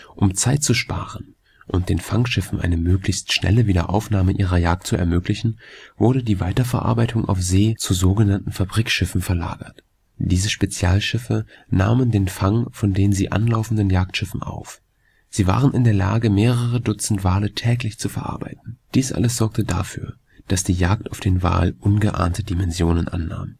Um Zeit zu sparen und den Fangschiffen eine möglichst schnelle Wiederaufnahme ihrer Jagd zu ermöglichen, wurde die Weiterverarbeitung auf See zu so genannten Fabrikschiffen verlagert. Diese Spezialschiffe nahmen den Fang von den sie anlaufenden Jagdschiffen auf. Sie waren in der Lage, mehrere Dutzend Wale täglich zu verarbeiten. Dies alles sorgte dafür, dass die Jagd auf den Wal ungeahnte Dimensionen annahm